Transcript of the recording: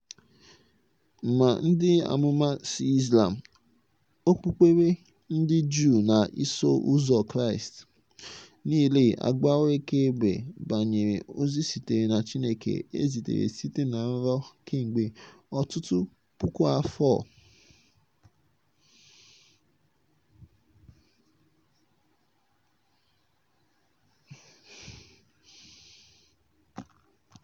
Ma ndị amụma si Izlam, Okpukpere ndị Juu na Iso Ụzọ Kraịstị nile agbawo akaebe banyere ozi sitere na Chineke e zitere site na nrọ kemgbe ọtụtụ puku afọ.